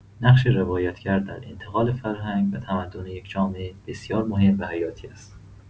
نقش روایت‌گر در انتقال فرهنگ و تمدن یک جامعه بسیار مهم و حیاتی است.